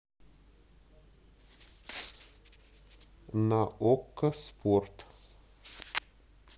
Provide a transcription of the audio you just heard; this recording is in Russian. на окко спорт